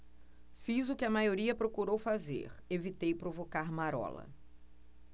fiz o que a maioria procurou fazer evitei provocar marola